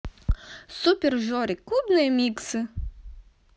супер жорик клубные миксы